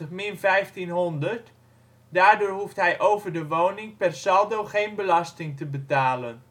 minus 1500). Daardoor hoeft hij over de woning per saldo geen belasting te betalen